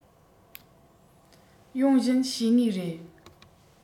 ཡོང བཞིན བཤས ངེས རེད